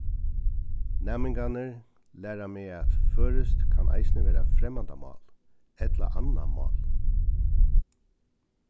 næmingarnir læra meg at føroyskt kann eisini vera fremmandamál ella annað mál